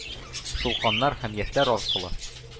Шул каннар һәм яшьләр аркылы,